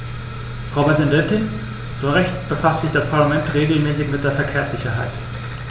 Frau Präsidentin, zu Recht befasst sich das Parlament regelmäßig mit der Verkehrssicherheit.